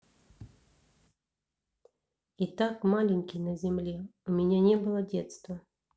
итак маленький на земле у меня не было детства